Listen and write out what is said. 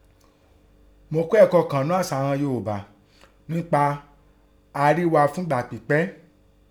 Mo kọ́ ẹ̀kọ́ kàn ńnú àsà ìghọn Yoòbá ńpa à-rì-ghà-fun-gbà-pípẹ́